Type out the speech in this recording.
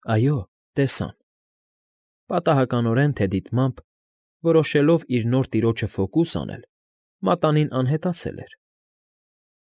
Այո, տեսան։ Պատահականորեն թե դիտմամբ՝ որոշելով իր նոր տիրոջը ֆոկուս անել, մատանին անհետացել էր։